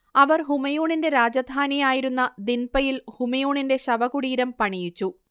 അവർ ഹുമയൂണിന്റെ രാജധാനിയായിരുന്ന ദിൻപയിൽ ഹുമയൂണിന്റെ ശവകുടീരം പണിയിച്ചു